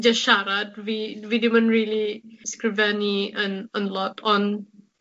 jyst siarad fi fi dim yn rili sgrifennu yn yn lot on'